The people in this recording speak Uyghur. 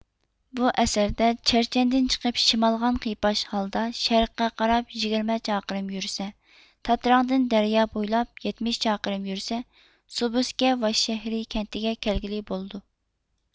بۇ ئەسەردە چەرچەندىن چىقىپ شىمالغان قىيپاش ھالدا شەرققە قاراپ يىگىرمە چاقىرىم يۈرسە تاتراڭدىن دەريا بويلاپ يەتمىش چاقىرىم يۈرسە سۇ بۆسكە ۋاششەھىرى كەنتىگە كەلگىلى بولىدۇ